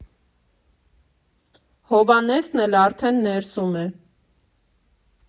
Հովհաննեսն էլ արդեն ներսում է։